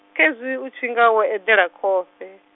khezwi u tshinga wo eḓela khofhe.